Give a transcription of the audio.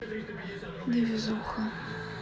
невезуха